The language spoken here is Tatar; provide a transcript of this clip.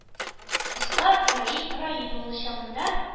Оста раил раил ул чагында –